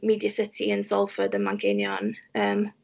Media City yn Salford ym Manceinion, yym.